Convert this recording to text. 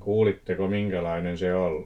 kuulitteko minkälainen se oli